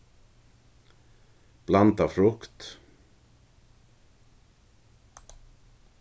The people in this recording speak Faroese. blandað frukt